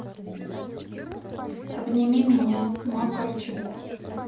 обними меня макарчук